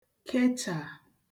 kechà